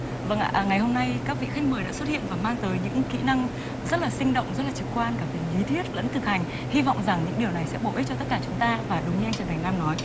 vâng ạ ngày hôm nay các vị khách mời đã xuất hiện và mang tới những kỹ năng rất là sinh động rất là trực quan cả về lý thuyết lẫn thực hành hy vọng rằng những điều này sẽ bổ ích cho tất cả chúng ta và đúng như anh trần thành nam nói